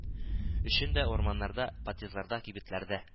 Өчен дә урамнарда, подъездларда, кибетләрдә